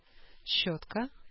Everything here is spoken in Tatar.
Щетка